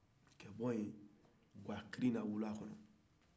ka bɔ yen ka taa kirina wula kɔnɔ